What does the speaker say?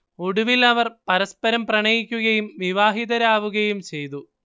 ഒടുവിൽ അവർ പരസ്പരം പ്രണയിക്കുകയും വിവാഹിതരാവുകയും ചെയ്തു